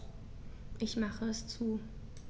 Ich mache es zu.